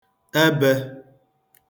ebē